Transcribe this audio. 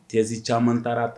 Tizsi caman taara ta